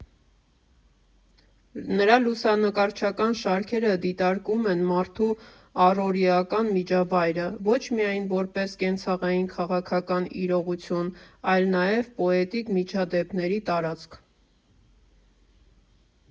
Նրա լուսանկարչական շարքերը դիտարկում են մարդու առօրեական միջավայրը ոչ միայն որպես կենցաղային֊քաղաքական իրողություն, այլ նաև պոետիկ միջադեպերի տարածք։